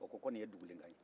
o ko nin ye dugulen kan ye